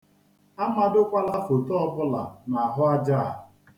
Amadokwala foto ọbụla n'ahụaja a.